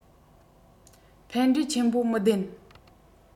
ཕན འབྲས ཆེན པོ མི ལྡན